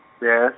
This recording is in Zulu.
yes.